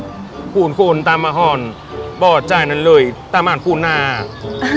cuồng pồn ta ma hòn bò chài na lười ta màn pun nà